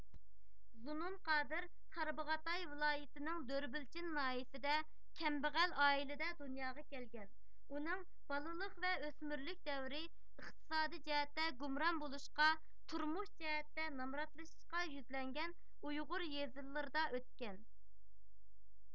زۇنۇن قادىر تارباغاتاي ۋىلايىتىنىڭ دۆربىلجىن ناھىيىسىدە كەمبەغەل ئائىلىدە دۇنياغا كەلگەن ئۇنىڭ بالىلىق ۋە ئۆسمۈرلۈك دەۋرى ئىقتىسادىي جەھەتتە گۇمران بولۇشقا تۇرمۇش جەھەتتە نامراتلىشىشقا يۈزلەنگەن ئۇيغۇر يېزىلىرىدا ئۆتكەن